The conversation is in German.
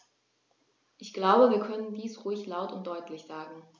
Ich glaube, wir können dies ruhig laut und deutlich sagen.